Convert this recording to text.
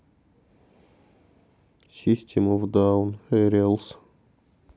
систем оф даун эриалс